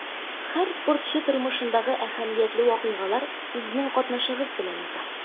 Һәр спортчы тормышындагы әһәмиятле вакыйгалар сезнең катнашыгыз белән уза.